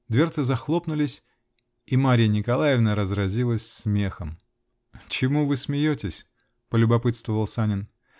Дверцы захлопнулись -- и Марья Николаевна разразилась смехом. -- Чему вы смеетесь? -- полюбопытствовал Санин.